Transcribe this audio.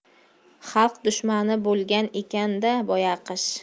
xalq dushmani bo'lgan ekan da boyaqish